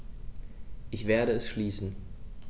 Ich werde es schließen.